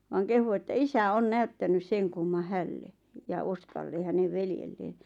vaan kehui että isä on näyttänyt sen kumman hänelle ja Oskalle hänen veljelleen